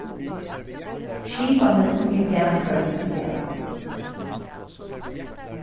skipanin er dagførd í dag